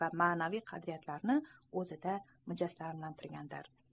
va ma'naviy qadriyatlarini o'zida mujassamlashtirgandir